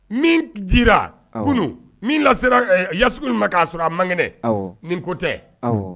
Min jirara kunun min yas min ma k'a sɔrɔ a mang nin ko tɛ